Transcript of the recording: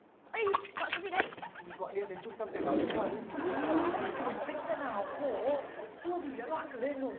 ây gọi cái gì đấy thì gọi điện đến trung tâm cảnh báo sóng thần ui bình tĩnh cái nào khổ chưa gì đã loạn cả lên rồi